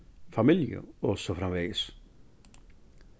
familju og so framvegis